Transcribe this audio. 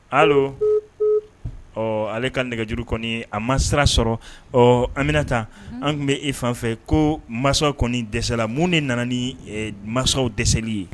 Allo ɔ ale ka nɛgɛjuru kɔni a ma sira sɔrɔ ɔ Amina, un, an tun bɛ e fan fɛ ko mansaw kɔni dɛsɛra mun de nana ni mansaw dɛsɛli ye?